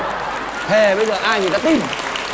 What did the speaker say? thề bây giờ ai người ta tin